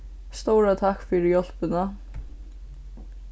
stóra takk fyri hjálpina